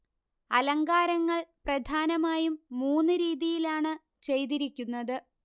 അലങ്കാരങ്ങൾ പ്രധാനമായും മൂന്നു രീതിയിലാണ് ചെയ്തിരിക്കുന്നത്